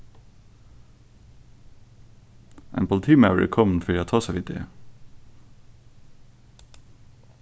ein politimaður er komin fyri at tosa við teg